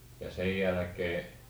ja sen jälkeen